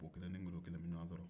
buwɔ kelen ni n'golo kelen bɛ ɲwan sɔrɔ